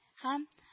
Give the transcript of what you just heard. Һәм